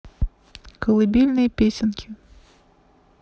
колыбельные песенки